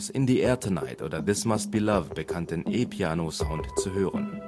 In the Air tonight oder This must be love bekannten E-Piano-Sound zu hören